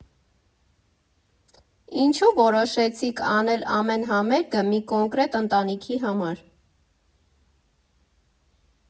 Ինչու՞ որոշեցիք անել ամեն համերգը մի կոնկրետ ընտանիքի համար։